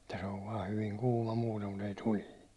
että se on vain hyvin kuuma muuten mutta ei tulinen